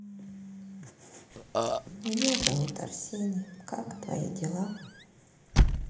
меня зовут арсений как твои дела